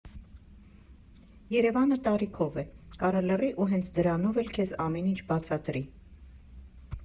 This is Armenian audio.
Երևանը տարիքով է, կարա լռի ու հենց դրանով էլ քեզ ամեն ինչ բացատրի։